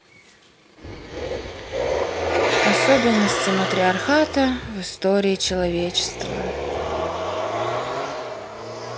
особенности матриархата в истории человечества